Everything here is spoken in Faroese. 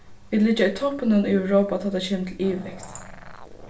vit liggja í toppinum í europa tá tað kemur til yvirvekt